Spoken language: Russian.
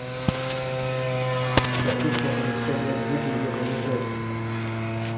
хочу смотреть то блядь будем ебаный в рос